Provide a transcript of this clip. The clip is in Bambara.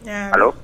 Nkalon